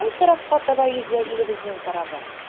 Кай тарафка таба йөзә илебезнең корабы?